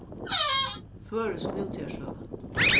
føroysk nútíðarsøga